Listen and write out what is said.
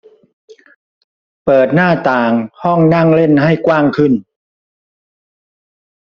เปิดหน้าต่างห้องนั่งเล่นให้กว้างขึ้น